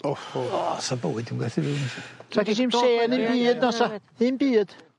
Sa bywyd ddim werth 'i fyw . yn 'im byd na sa. Ddim byd.